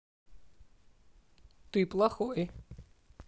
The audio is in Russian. ты плохой